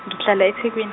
ngihlala eThekwini.